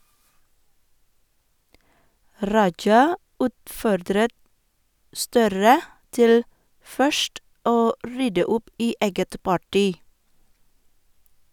Raja utfordret Støre til først å rydde opp i eget parti.